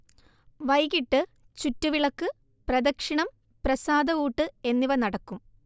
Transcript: വൈകീട്ട് ചുറ്റുവിളക്ക്, പ്രദക്ഷിണം, പ്രസാദഊട്ട് എന്നിവ നടക്കും